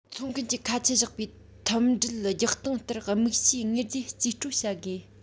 འཚོང མཁན གྱིས ཁ ཆད བཞག པའི ཐུམ སྒྲིལ རྒྱག སྟངས ལྟར དམིགས བྱའི དངོས རྫས རྩིས སྤྲོད བྱ དགོས